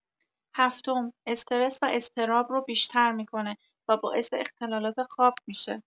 هفتم، استرس و اضطراب رو بیشتر می‌کنه و باعث اختلالات خواب می‌شه.